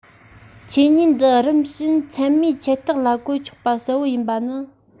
ཆོས ཉིད འདི རིམ ཞན མཚན མའི ཁྱད རྟགས ལ བཀོལ ཆོག པ གསལ པོ ཡིན པ ནི